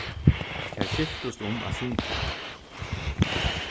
tær skiftust um at syngja